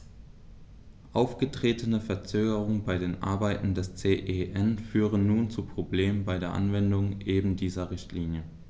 Aufgetretene Verzögerungen bei den Arbeiten des CEN führen nun zu Problemen bei der Anwendung eben dieser Richtlinie.